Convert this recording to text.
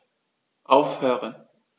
Aufhören.